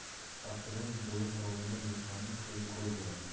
paxtadan bo'yin tovlagan dehqonning ko'zi ko'r bo'ladi